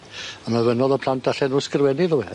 A myfynnodd y plant allan nw sgrywennu iddo fe.